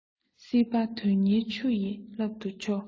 སྲེད པས དོན གཉེར ཆུ ཡི རླབས སུ འཕྱོ